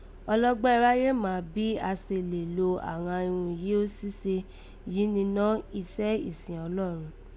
Ọlọ́gbán iráyé mà bí a se lè lò àghan irun yìí yẹ ní síse yìí ninọ́ isẹ́ ìsìn Ọlọ́run